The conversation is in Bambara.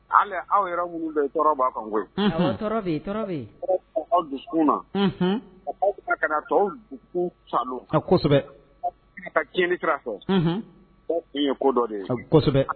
Hali aw yɛrɛ minnu dɔ tɔɔrɔ b'a aw kun na aw ka to ka taa tiɲɛn kira fɛ tun ye ko dɔ de ye